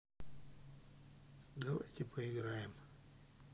давайте поиграем